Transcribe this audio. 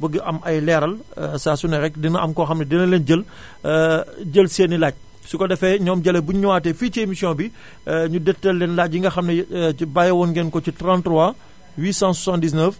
bëgg am ay leeral saa su ne rekk dina am koo xam ne dina leen jël jël seen i laaj su ko defee ñoom Jalle buñu ñëwaatee fii ci émission bi ñu dégtal leen laaj yi nga xam ne bàyyi woon ngeen ko ci 33 879